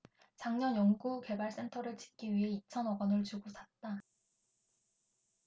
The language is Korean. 작년 연구개발센터를 짓기 위해 이천 억원을 주고 샀다